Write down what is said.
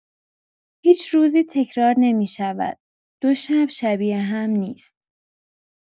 هیچ روزی تکرار نمی‌شود، دو شب شبیه هم نیست!